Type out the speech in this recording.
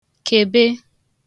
kèbe